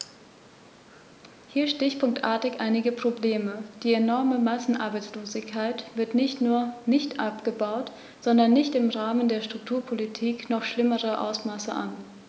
Hier stichpunktartig einige Probleme: Die enorme Massenarbeitslosigkeit wird nicht nur nicht abgebaut, sondern nimmt im Rahmen der Strukturpolitik noch schlimmere Ausmaße an.